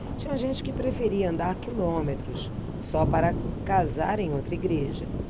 tinha gente que preferia andar quilômetros só para casar em outra igreja